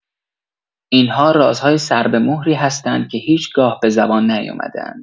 این‌ها رازهای سربه‌مهری هستند که هیچ‌گاه به زبان نیامده‌اند.